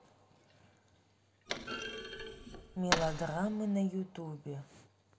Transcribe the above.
мелодрамы на ютубе